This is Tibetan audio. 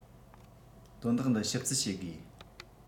དོན དག འདི ཞིབ རྩད བྱེད དགོས